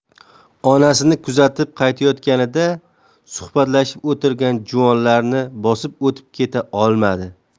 onasini kuzatib qaytayotganida suhbatlashib o'tirgan juvonlarni bosib o'tib keta olmadi